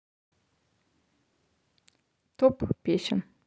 топ песен